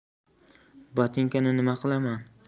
botinkani nima qilaman